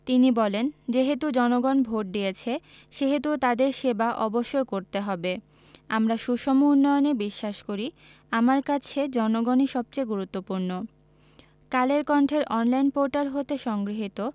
তিনি বলেন যেহেতু জনগণ ভোট দিয়েছে সেহেতু তাদের সেবা অবশ্যই করতে হবে আমরা সুষম উন্নয়নে বিশ্বাস করি আমার কাছে জনগণই সবচেয়ে গুরুত্বপূর্ণ কালের কন্ঠের অনলাইন পোর্টাল হতে সংগৃহীত